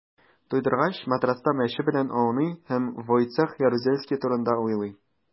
Туйдыргач, матраста мәче белән ауный һәм Войцех Ярузельский турында уйлый.